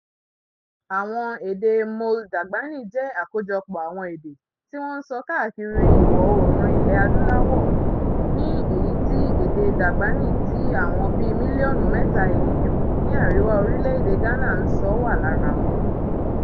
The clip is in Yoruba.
Àwọn èdè Mole-Dagbani jẹ́ àkójọpọ̀ àwọn èdè tí wọ́n ń sọ káàkiri Ìwọ̀ Oòrùn Ilẹ̀ Adúláwò ní èyí tí èdè Dagbani tí àwọn bíi mílíọ̀nù mẹ́ta èèyàn ní àríwá orílẹ̀-èdè Ghana ń sọ wà lára wọn.